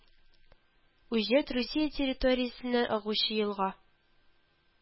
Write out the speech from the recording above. Ужердь Русия территориясеннән агучы елга